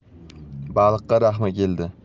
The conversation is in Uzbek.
baliqqa rahmi keldi